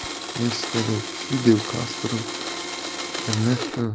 meksikada fidel kastro ernesto